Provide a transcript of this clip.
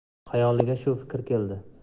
xayoliga shu fikr keldi